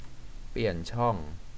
เปลี่ยนช่อง